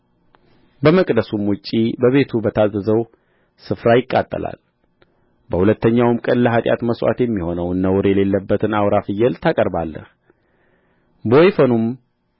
በመቅደሱም ውጭ በቤቱ በታዘዘው ስፍራ ይቃጠላል በሁለተኛውም ቀን ለኃጢአት መሥዋዕት የሚሆነውን ነውር የሌለበትን አውራ ፍየል ታቀርባለህ በወይፈኑም